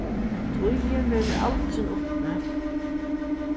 tíðin verður aldrin uppi